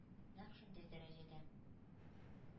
Нәкъ шундый дәрәҗәдә: